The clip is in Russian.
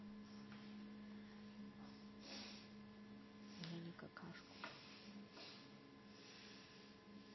я не какашку